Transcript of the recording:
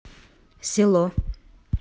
село